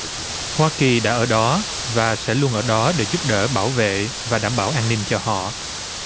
hoa kỳ đã ở đó và sẽ luôn ở đó để giúp đỡ bảo vệ và đảm bảo an ninh cho họ